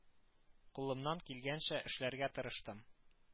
Кулымнан килгәнчә эшләргә тырыштым